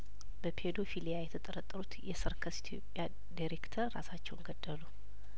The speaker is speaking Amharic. በፔዶ ፊ ሊያየተጠረጠሩት የሰርከስ ኢትዮጵያ ዴሬክተር ራሳቸውን ገደሉ